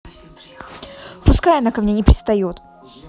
пускай она ко мне не пристает